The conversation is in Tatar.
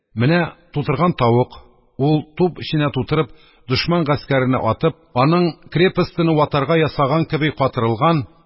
Менә тутырган тавык: ул туп эченә тутырып, дошман гаскәренә атып, аның крепостене ватарга ясаган кеби катырылган;